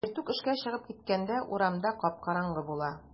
Иртүк эшкә чыгып киткәндә урамда кап-караңгы була.